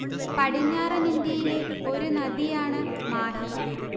പടിഞ്ഞാറൻ ഇന്ത്യയിലെ ഒരു നദിയാണ് മാഹി